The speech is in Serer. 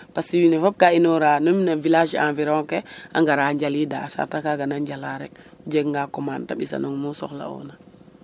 Parce que wiin we fop a ka inoora meme no village environ ke a ngara njaliidaa a sarta kaaga na njala rek o jegangaa commande ta ɓisanong mu soxaloona.